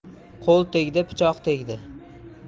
qo'l tegdi pichoq tegdi